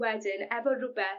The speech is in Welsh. ...wedyn efo rwbeth